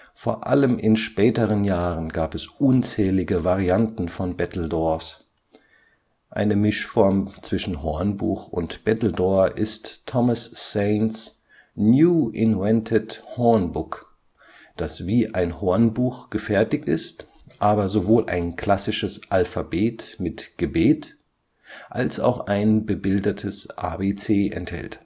Vor allem in späteren Jahren gab es unzählige Varianten von Battledores. Eine Mischform zwischen Hornbuch und Battledore ist Thomas Saints New invented Horn-Book, das wie ein Hornbuch gefertigt ist, aber sowohl ein klassisches Alphabet mit Gebet als auch ein bebildertes ABC enthält